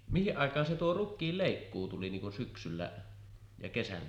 mihin aikaan se tuo rukiin leikkuu tuli niin kuin syksyllä ja kesällä